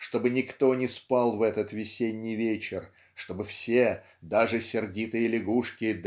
чтобы никто не спал в этот весенний вечер чтобы все даже сердитые лягушки